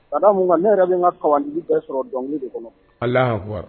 A' mun ne yɛrɛ min ka katigi bɛɛ sɔrɔ dɔnkili de kɔnɔ